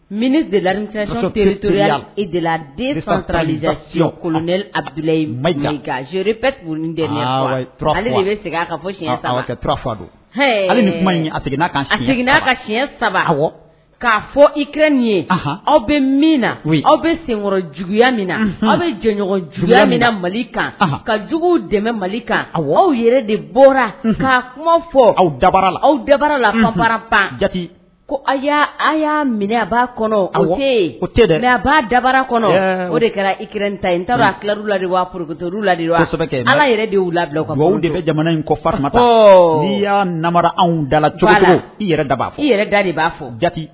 Mini de la i deladentakolon a bila zep ale de bɛurafa a kan seginna ka siyɛn saba k'a fɔ ikr nin ye aw bɛ min na aw bɛ senkɔrɔ juguyaya min na aw bɛ jɔnɲɔgɔn juguyaya min mali kan ka juguw dɛmɛ mali kan a awaw yɛrɛ de bɔra ka'a kuma fɔ aw darala aw dabarara labarara pan jate ko' an y'a minɛ aba kɔnɔ o aba dabarara kɔnɔ o de kɛra ikr ta ta kira la purteruru la ala yɛrɛ de la kan aw de bɛ jamana in kɔ farima' nara anw dala cogoya i yɛrɛ da' i yɛrɛ da de b'a fɔ jate